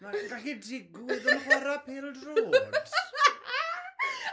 Mae'n gallu digwydd yn chwarae pêl-droed.